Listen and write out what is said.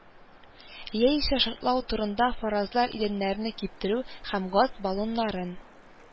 Яисә шартлату турында фаразлар идәннәрне киптерү һәм газ баллоннарын